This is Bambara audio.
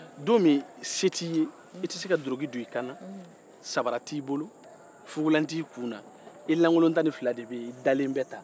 don min se tɛ i ye i tɛ se ka dulɔki don i kan na sabara t'i bolo fugulan t'il kun i lankolo tan ni fila de bɛ i dalen bɛ tan si